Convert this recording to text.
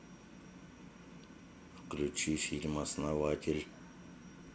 включи фильм основатель